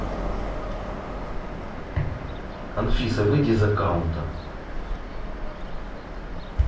анфиса выйди из аккаунта